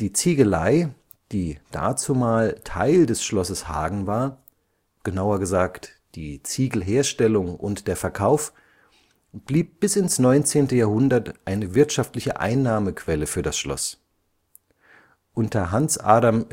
Ziegelei, die dazumal Teil des Schlosses Hagen war, – genauer gesagt die Ziegelherstellung und der Verkauf – blieb bis ins 19. Jahrhundert eine wirtschaftliche Einnahmequelle für das Schloss. Unter Hans Adam